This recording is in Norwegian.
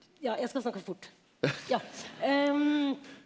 ja jeg skal snakke fort ja .